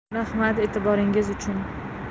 rahmat e'tiboringiz uchun